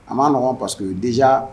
A maaɔgɔn pa queseke ye dija